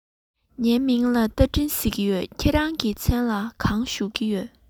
ངའི མིང ལ རྟ མགྲིན ཟེར གྱི ཡོད ཁྱེད རང གི མཚན ལ གང ཞུ གི ཡོད ན